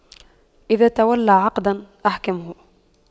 إذا تولى عقداً أحكمه